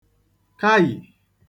kaì